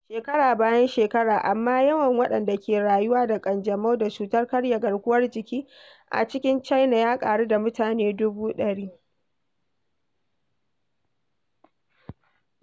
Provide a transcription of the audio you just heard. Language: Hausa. Shekara bayan shekara, amma, yawan waɗanda ke rayuwa da ƙanjamau da cutar karya garkuwar jiki a cikin China ya ƙaru da mutane 100,000.